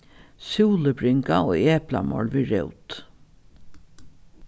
súlubringa og eplamorl við rót